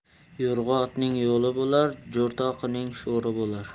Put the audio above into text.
yo'rg'a otning yo'li bo'lar jo'rtoqining sho'ri bo'lar